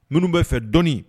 Minnu bɛa fɛ dɔɔnin